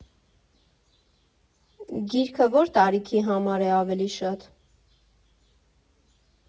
Գիրքը ո՞ր տարիքի համար է ավելի շատ։